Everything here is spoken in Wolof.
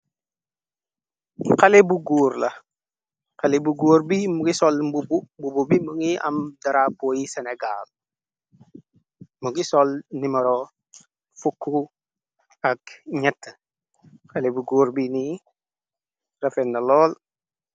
Xbu laxale bu góor bi mu ngi soll bubu bi mu ngi am darapoo yi senegaal mu ngi soll nimaro fukk ak gñett xale bu góur bi ni rafenna lool.